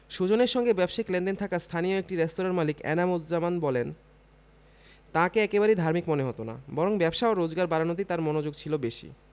সুজনের সঙ্গে ব্যবসায়িক লেনদেন থাকা স্থানীয় একটি রেস্তোরাঁর মালিক এনাম উজজামান বলেন তাঁকে একেবারেই ধার্মিক মনে হতো না বরং ব্যবসা ও রোজগার বাড়ানোতেই তাঁর মনোযোগ ছিল বেশি